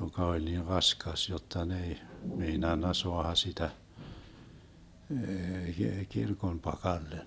joka oli niin raskas jotta ne ei meinannut saada sitä kirkon pakalle